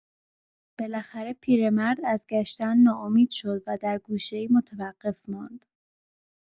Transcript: بالاخره پیرمرد از گشتن ناامید شد و در گوشه‌ای متوقف ماند.